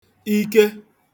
ike